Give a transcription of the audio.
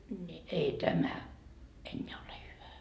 niin ei tämä enää ole hyvä